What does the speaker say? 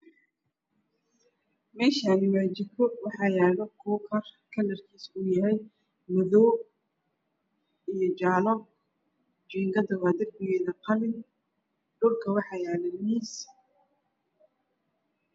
Meeshani waa jiko waxaa yaalo midabkiisu yahay madaw iyo jaalo jiinkadu wa darbige qalin dhul waxaa yaalo miis